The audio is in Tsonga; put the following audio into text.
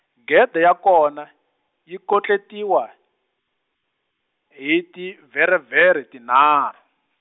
gede ya kona, yi kotletiwa, hi ti vherevhere tinharhu.